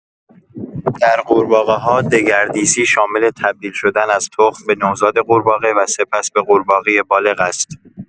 در قورباغه‌ها، دگردیسی شامل تبدیل شدن از تخم به نوزاد قورباغه و سپس به قورباغه بالغ است.